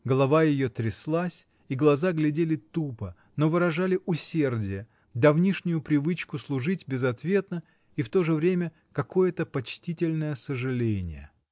голова ее тряслась и глаза глядели тупо, но выражали усердие, давнишнюю привычку служить безответно, и в то же время -- какое-то почтительное сожаление.